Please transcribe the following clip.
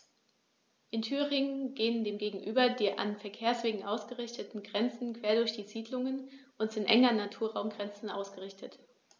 In Thüringen gehen dem gegenüber die an Verkehrswegen ausgerichteten Grenzen quer durch Siedlungen und sind eng an Naturraumgrenzen ausgerichtet.